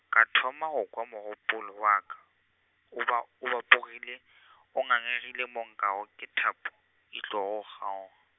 ka thoma go kwa mogopolo wa ka, o ba, o bapogile , o ngangegile mo nkwago ke thapo, e tlogo kgao-.